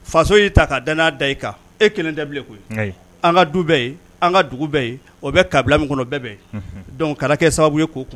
Faso y'i ta ka da da i kan e kelen de koyi an ka du bɛɛ ye ka dugu bɛɛ ye o bɛ kabila min kɔnɔ bɛɛ bɛ dɔn karata kɛ sababu ye ko